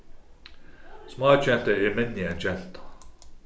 smágenta er minni enn genta